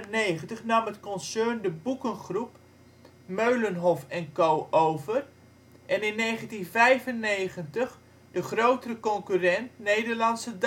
1994 nam het concern de boekengroep Meulenhoff & Co over, en in 1995 de (grotere) concurrent Nederlandse